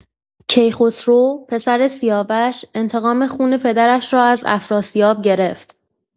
کیخسرو، پسر سیاوش، انتقام خون پدرش را از افراسیاب گرفت.